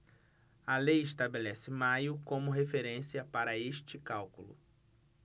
a lei estabelece maio como referência para este cálculo